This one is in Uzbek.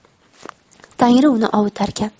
tangri uni ovutarkan